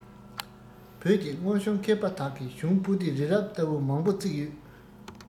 བོད ཀྱི སྔོན བྱོན མཁས པ དག གི གཞུང པོ ཏི རི རབ ལྟ བུ མང བོ བརྩིགས ཡོད